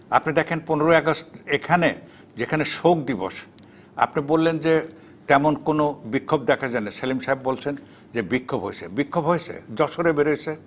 আপনি দেখেন 15 ই আগস্ট এখানে যেখানে শোক দিবস আপনি বললেন যে তেমন কোনো বিক্ষোভ দেখা যায় না সেলিম সাহেব বলছেন বিক্ষোভ হয়েছে বিক্ষোভ হয়েছে যশোরে বের হইছে